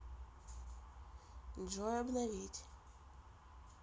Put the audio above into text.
джой обновить